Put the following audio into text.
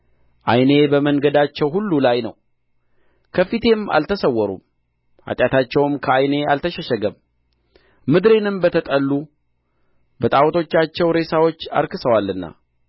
ዓይኔ በመንገዳቸው ሁሉ ላይ ነው ከፊቴም አልተሰወሩም ኃጢአታቸውም ከዓይኔ አልተሸሸገም ምድሬንም በተጠሉ በጣዖቶቻቸው ሬሳዎች አርክሰዋልና